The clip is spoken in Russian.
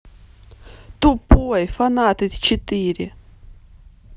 тупой фанаты четыре